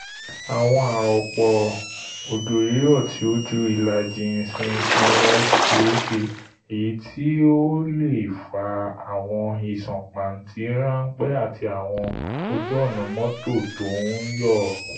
Àwọn àrọ̀pọ̀ òjò rírọ̀ tí ó ju ìlàjì íǹsì kan lọ ṣeé ṣe, èyití ó leè fa àwọn ìsàn pàǹtí ráńpẹ́ àti àwọn ojú ọ̀nà mọ́tò tó ńyọ́.